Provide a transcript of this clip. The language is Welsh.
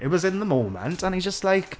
It was in the moment, a o'n i jyst like...